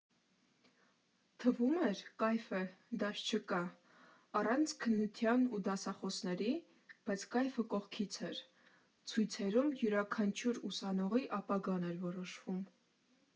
Թվում էր՝ կայֆ է, դաս չկա՝ առանց քննության ու դասախոսների, բայց կայֆը կողքից էր, ցույցերում յուրաքանչյուր ուսանողի ապագան էր որոշվում։